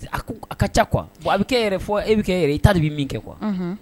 A ko, a ka ca quoi , bon a bɛ kɛ yɛrɛ, fɔ e bɛ kɛ e yɛrɛ ye , i ta dɔn i bɛ min kɛ quoi